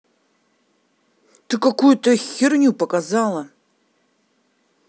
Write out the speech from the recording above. ты какую то херню показала